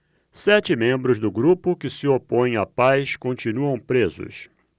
sete membros do grupo que se opõe à paz continuam presos